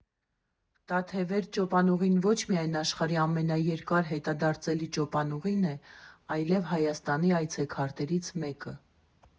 «Տաթևեր» ճոպանուղին ոչ միայն աշխարհի ամենաերկար հետադարձելի ճոպանուղին է, այլև Հայաստանի այցեքարտերից մեկը։